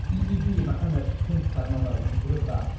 I i fi ma' hanner cynta'r nofel yn gryfach.